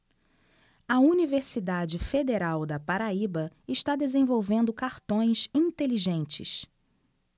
a universidade federal da paraíba está desenvolvendo cartões inteligentes